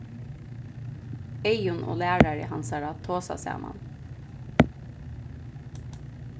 eyðun og lærari hansara tosa saman